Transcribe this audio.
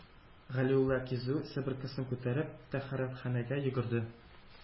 Галиулла кизү, себеркесен күтәреп, тәһарәтханәгә йөгерде.